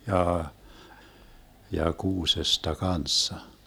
jaa ja kuusesta kanssa